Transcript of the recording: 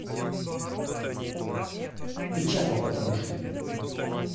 печатал потому что